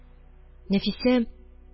Нәфисә: